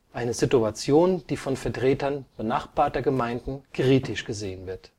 eine Situation, die von Vertretern benachbarter Gemeinden kritisch gesehen wird